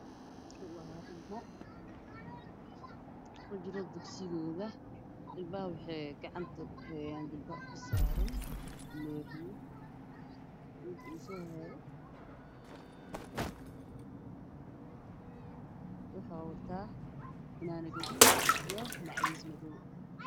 Waa ilmo joogo dugsi waxay wataan oo dhabta usaaran looxyo. Midka usoo horeeyo waxuu wataa fanaanad gaduud iyo macawis madow.